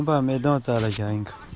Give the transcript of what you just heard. ནང དུ འོ མ དཀར པོ བླུགས པ དང